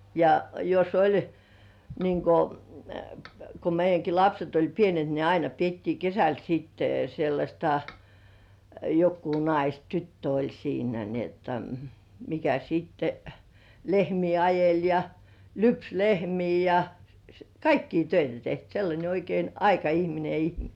ja jos oli niin kun kun meidänkin lapset oli pienet niin aina pidettiin kesällä sitten sellaista joku nais tyttö oli siinä niin jotta mikä sitten lehmiä ajeli ja lypsi lehmiä ja kaikkia töitä teki sellainen oikein aikaihminen -